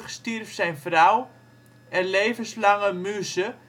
stierf zijn vrouw en levenslange muze